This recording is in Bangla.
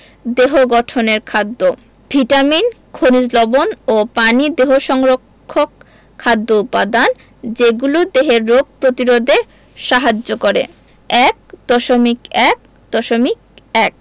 দেহ গঠনের খাদ্য ভিটামিন খনিজ লবন ও পানি দেহ সংরক্ষক খাদ্য উপাদান যেগুলো দেহের রোগ প্রতিরোধে সাহায্য করে ১.১.১